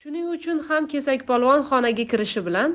shuning uchun ham kesakpolvon xonaga kirishi bilan